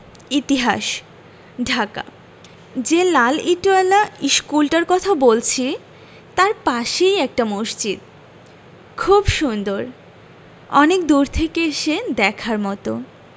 ইতিহাস ঢাকা যে লাল ইটোয়ালা ইশকুলটার কথা বলছি তাই পাশেই একটা মসজিদ খুব সুন্দর অনেক দূর থেকে এসে দেখার মতো